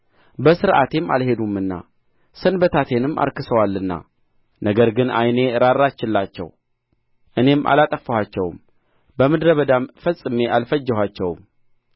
በሥርዓቴም አልሄዱምና ሰንበታቴንም አርክሰዋልና ነገር ግን ዓይኔ ራራችላቸው እኔም አላጠፋኋቸውም በምድረ በዳም ፈጽሜ አልፈጀኋቸውም